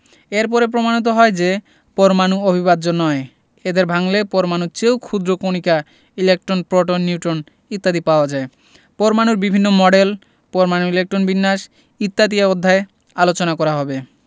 এর পরে প্রমাণিত হয় যে পরমাণু অবিভাজ্য নয় এদের ভাঙলে পরমাণুর চেয়েও ক্ষুদ্র কণিকা ইলেকট্রন প্রোটন নিউট্রন ইত্যাদি পাওয়া যায় পরমাণুর বিভিন্ন মডেল পরমাণুর ইলেকট্রন বিন্যাস ইত্যাদি এ অধ্যায়ে আলোচনা করা হবে